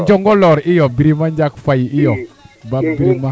o Ndiongolor i yo Birima Ndiak Faye iyo Bab Birima